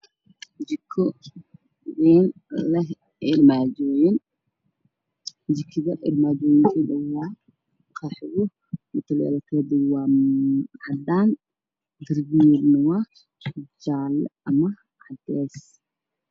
Jiko weyn leh armaajooyin jikada armaajooyinkeedu waa qaxwo mutileelkeedu waa cadaan darbigeeduna waa jaale ama cadays